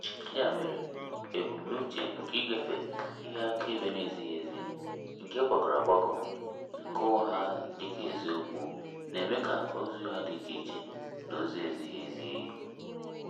Ya mere, ebumnuche nke ịgafe ihe akaebe na-ezighi ezi, nke gbagọrọ agbagọ na nke ụgha dị ka eziokwu, na-eme ka ozi ugha dị iche na ozi na-ezighi ezi.